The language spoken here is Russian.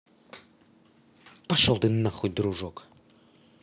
пошел ты нахуй дружок